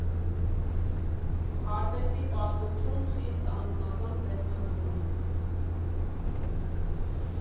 Արվեստի պատմություն՝ խիստ անձնական տեսանկյունից։